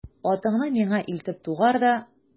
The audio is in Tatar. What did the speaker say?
Атыңны миңа илтеп тугар да...